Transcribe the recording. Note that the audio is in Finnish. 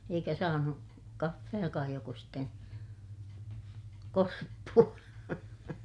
eikä saanut kahvejakaan joko sitten korppua